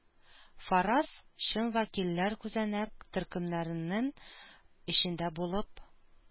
Фараз - чын вәкилләр күзәнәк төркемнәренең эчендә булып...